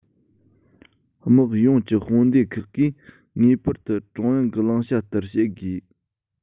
དམག ཡོངས ཀྱི དཔུང སྡེ ཁག གིས ངེས པར དུ ཀྲུང དབྱང གི བླང བྱ ལྟར བྱེད དགོས